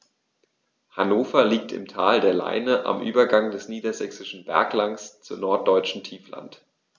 Hannover liegt im Tal der Leine am Übergang des Niedersächsischen Berglands zum Norddeutschen Tiefland.